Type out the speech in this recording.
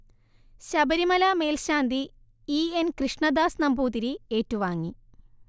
ശബരിമല മേൽശാന്തി E N Krishnadas Namboothiri ഏറ്റുവാങ്ങി